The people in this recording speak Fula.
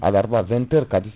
alarba 20 heures kadi